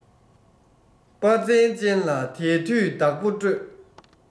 དཔའ རྩལ ཅན ལ དལ དུས བདག པོ སྤྲོད